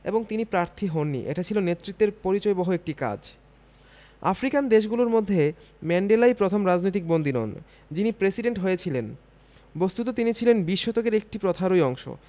এবং তিনি প্রার্থী হননি এটা ছিল নেতৃত্বের পরিচয়বহ একটি কাজ আফ্রিকান দেশগুলোর মধ্যে ম্যান্ডেলাই প্রথম রাজনৈতিক বন্দী নন যিনি প্রেসিডেন্ট হয়েছিলেন বস্তুত তিনি ছিলেন বিশ শতকের একটি প্রথারই অংশ